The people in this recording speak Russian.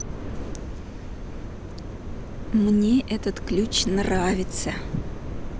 мне этот ключ нравится